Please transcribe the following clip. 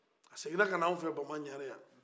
a seginna ka na an fɛ bamaɲarɛ yan